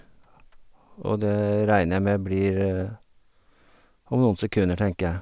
Og det regner jeg med blir om noen sekunder, tenker jeg.